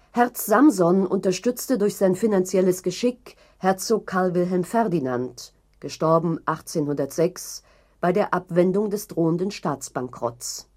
Herz Samson unterstützte durch sein finanzielles Geschick Herzog Karl Wilhelm Ferdinand († 1806) bei der Abwendung des drohenden Staatsbankrotts